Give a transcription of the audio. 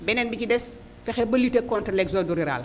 beneen bi ci des fexe ba lutté contre l' exode rural